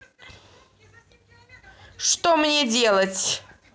что мне делать